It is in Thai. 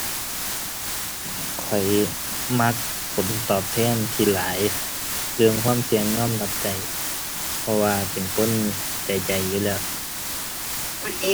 ข้อยมักผลตอบแทนที่หลาย เรื่องความเสี่ยงยอมรับได้ เพราะว่าเป็นคนใจใจอยู่แล้ว